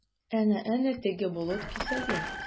Әнә-әнә, теге болыт кисәге?